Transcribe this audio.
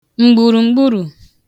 m̀gbùrùgburù